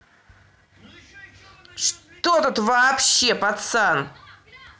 что тут вообще пацан